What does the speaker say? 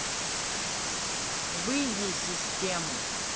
выйди из системы